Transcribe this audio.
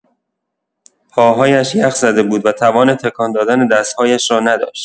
پاهایش یخ‌زده بود و توان تکان‌دادن دست‌هایش را نداشت.